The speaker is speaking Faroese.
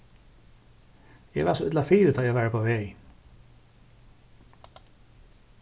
eg var so illa fyri tá eg var upp á vegin